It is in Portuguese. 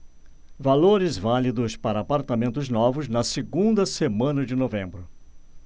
valores válidos para apartamentos novos na segunda semana de novembro